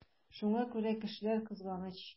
Шуңа күрә кешеләр кызганыч.